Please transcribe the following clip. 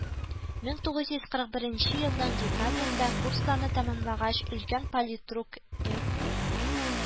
Мең тугыз йөз кырык беренче елның декабрендә курсларны тәмамлагач, өлкән политрук эм